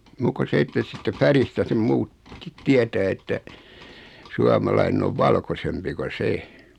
muuta kuin se että siitä väristä sen - muutkin tietää että suomalainen on valkoisempi kun se